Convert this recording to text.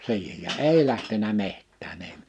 siihen ja ei lähtenyt metsään ei